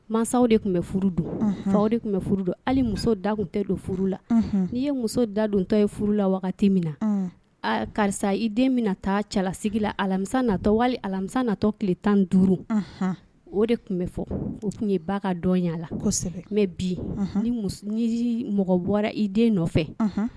Masaw de tun bɛ furu don faw de tun bɛ furu don hali muso da tun tɛ don furu la n'i ye muso da duntɔ ye furu la wagati min na karisa i den bɛna taa cɛlalasigi la alamisa natɔ wali alamisa natɔ tile tan duuru o de tun bɛ fɔ o tun ye ba ka dɔn ɲɛ la mɛ bi ni ni mɔgɔ bɔra i den nɔfɛ